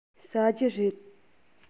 ཟ རྒྱུ རེད